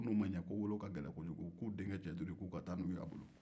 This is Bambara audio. n'u ma ɲɛ ko wolo ka gɛlɛ kɔni u k'u denkɛ cɛ duuru k'u ka taa n'o y'a bolo